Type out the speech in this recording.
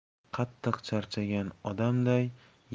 qattiq charchagan odamday